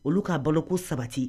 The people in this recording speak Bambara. Olu k'a boloko sabati